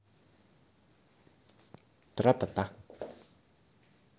тра та та